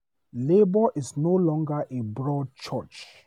Labour is no longer a broad church.